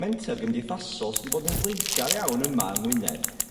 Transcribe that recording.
Menter gymdeithasol sy 'di bod yn flaengar iawn yma yng Ngwynedd